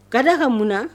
Ka d'a kan mun na?